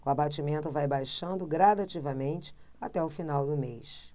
o abatimento vai baixando gradativamente até o final do mês